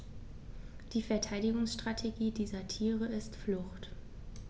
Die Verteidigungsstrategie dieser Tiere ist Flucht.